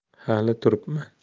hali turibman